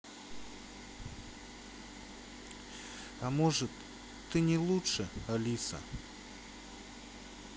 а может ты не лучше алиса